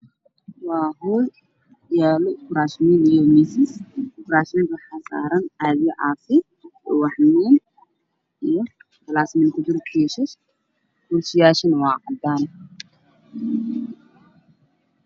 Waan miis waxaa saaran cagag ay ku jiraan caafi waxa agyaalo kursi cadaan ah